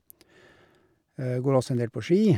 Jeg går også en del på ski.